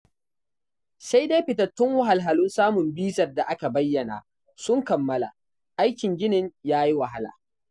Sai dai fitattun wahalhalun samun bizar da aka bayyana sun kammala aikin ginin ya yi wahala.